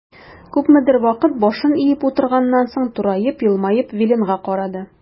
Күпмедер вакыт башын иеп утырганнан соң, тураеп, елмаеп Виленга карады.